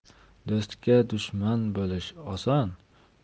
do'stga dushman bo'lish oson